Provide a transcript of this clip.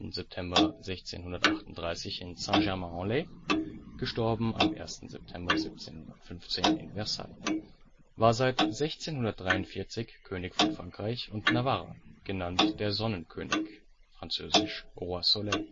September 1638 in Saint-Germain-en-Laye; † 1. September 1715 in Versailles) war seit 1643 König von Frankreich und Navarra, genannt der „ Sonnenkönig “(französisch Roi Soleil